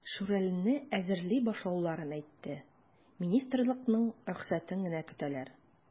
"шүрәле"не әзерли башлауларын әйтте, министрлыкның рөхсәтен генә көтәләр.